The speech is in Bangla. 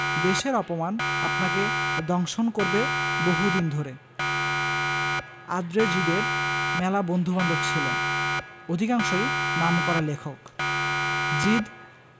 দেশের অপমান আপনাকে দংশন করবে বহুদিন ধরে আঁদ্রে জিদের মেলা বন্ধুবান্ধব ছিলেন অধিকাংশই নামকরা লেখক জিদ